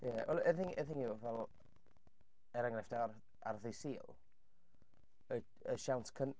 Ie wel y thing y thing yw, fel er enghraifft ar ar ddydd Sul y y siawns cyn-...